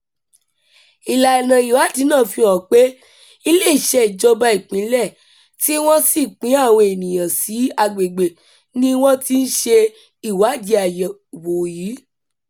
Ìlànà ìwádìí náà fi hàn wípé "iléeṣẹ́ ìjọba Ìpínlẹ̀ tí wọ́n sì pín àwọn ènìyàn sí agbègbè" ni wọ́n ti ṣe ìwádìí àyẹ̀wò yìí.